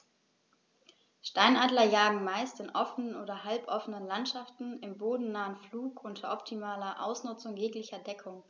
Steinadler jagen meist in offenen oder halboffenen Landschaften im bodennahen Flug unter optimaler Ausnutzung jeglicher Deckung.